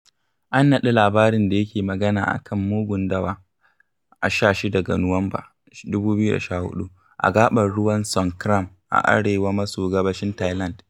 An naɗi labarin da yake magana a kan mugun dawa a 16 ga Nuwamba, 2014 a gaɓar ruwan Songkram a arewa maso gabashin Thailand.